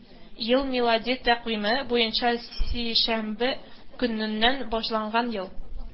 Ел – милади тәкъвиме буенча сишәмбе көненнән башланган ел